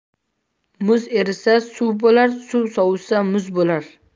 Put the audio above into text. muz erisa suv bo'lar suv sovisa muz bo'lar